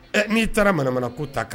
N'i taara maramana ko ta kan